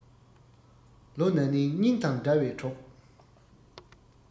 ལོ ན ནིང སྙིང དང འདྲ བའི གྲོགས